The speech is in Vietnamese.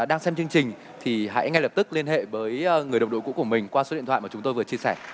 đang xem chương trình thì hãy ngay lập tức liên hệ với người đồng đội cũ của mình qua số điện thoại mà chúng tôi vừa chia sẻ